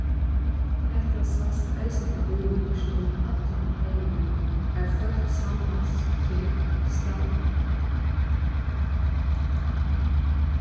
hetta sæst eisini í býunum kring allan heimin har fólk samlast kring standmyndir